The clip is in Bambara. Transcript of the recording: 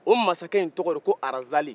o masakɛ in tɔgɔ de ye ko razali